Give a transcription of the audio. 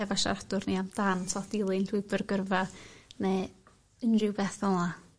hefo siaradwr ni amdan t'o' dilyn llwybyr gyrfa neu unrhyw beth fel 'a?